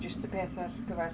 Mae jyst y peth ar gyfer...